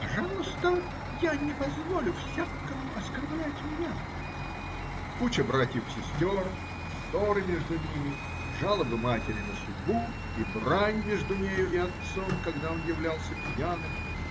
"пожалуйста, я не позволю всякому оскорблять меня!" Куча братьев и сестер, ссоры между ними, жалобы матери на судьбу и брань между нею и отцом, когда он являлся пьяным.